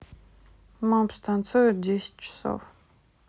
мопс танцует десять часов